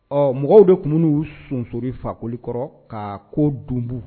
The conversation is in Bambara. Ɔ mɔgɔw de tun n'u sunsori fakoli kɔrɔ k'a ko dun